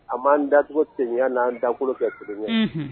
A b'an datcogo seginya n'an dankolo kɛ tuguni